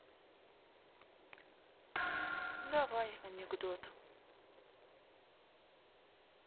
давай анекдот